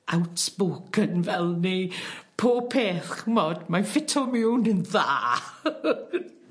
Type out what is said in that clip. outspoken fel ni pob peth ch'mod mae'n ffito miwn yn dda.